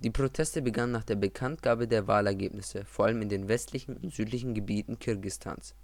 Proteste begannen nach der Bekanntgabe der Wahlergebnisse, vor allem in den westlichen und südlichen Gebieten Kirgisistans